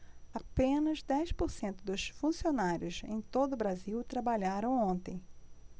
apenas dez por cento dos funcionários em todo brasil trabalharam ontem